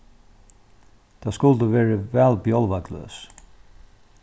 tað skuldu verið væl bjálvað gløs